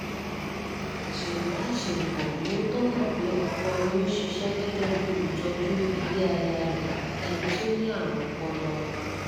Àsẹ̀yìnwá àṣẹ̀yìnbọ̀ ni ó tó hán pé ọkọ ni ó ń ṣiṣẹ́ gẹ́gẹ́ bí olùtọ́jú ilé aya rẹ̀, ẹni tí ó ní àrùn ọpọlọ.